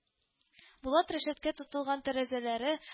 Булат рәшәткә тотылган тәрәзәләре